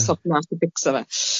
sorto mas a fixio fe.